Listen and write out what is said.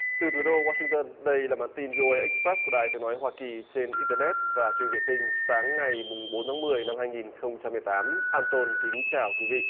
từ thủ đô goa sinh tơn đây là bản tin vi ô ây ích pét của đài tiếng nói hoa kỳ trên in tơ nét và truyền hình vệ tinh sáng ngày mùng bốn tháng mười năm hai nghìn không trăm mười tám an tôn kính chào quý vị